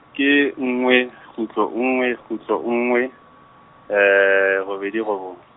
ke nngwe, kgutlo nngwe kutlo nngwe, robedi robong.